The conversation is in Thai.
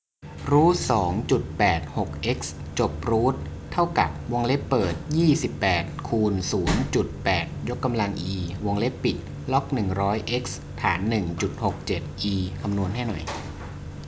รูทสองจุดแปดหกเอ็กซ์จบรูทเท่ากับวงเล็บเปิดยี่สิบแปดคูณศูนย์จุดแปดยกกำลังอีวงเล็บปิดล็อกหนึ่งร้อยเอ็กซ์ฐานหนึ่งจุดหกเจ็ดอีคำนวณให้หน่อย